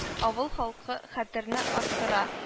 Авыл халкы хәтерне арттыра